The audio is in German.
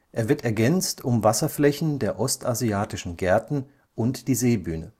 Er wird ergänzt um Wasserflächen der ostasiatischen Gärten und die Seebühne